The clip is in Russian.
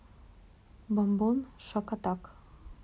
бомбом shakatak